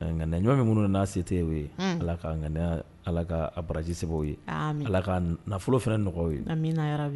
Ŋaniya ɲuman bɛ minnu na n'a se tɛ u ye, allah k'a baraji sɛbɛn u ye , allaah k'a nafolo fana nɔgɔya u ye.